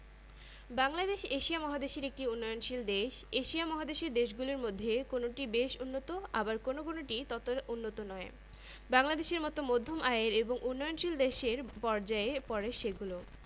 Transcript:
পৃথিবী অন্যান্য গ্রহ উপগ্রহের তাপ ও আলোর মূল উৎস সূর্য সূর্যের আলো ছাড়া পৃথিবী চির অন্ধকার থাকত এবং পৃথিবীতে জীবজগত ও উদ্ভিদজগৎ কিছুই বাঁচত না সূর্যকে কেন্দ্র করে ঘুরছে আটটি গ্রহ